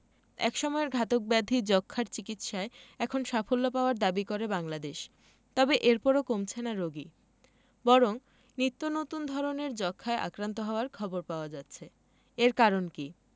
একসময়ের ঘাতক ব্যাধি যক্ষ্মার চিকিৎসায় এখন সাফল্য পাওয়ার দাবি করে বাংলাদেশ তবে এরপরও কমছে না রোগী বরং নিত্যনতুন ধরনের যক্ষ্মায় আক্রান্ত হওয়ার খবর পাওয়া যাচ্ছে এর কারণ কী